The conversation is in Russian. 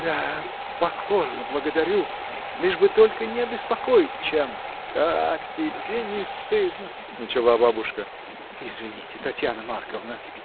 — Да, покорно благодарю: лишь бы только не обеспокоить чем. — Как тебе не стыдно. — начала бабушка. — Извините, Татьяна Марковна!